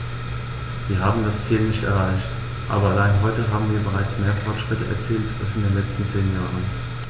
Wir haben das Ziel nicht erreicht, aber allein heute haben wir bereits mehr Fortschritte erzielt als in den letzten zehn Jahren.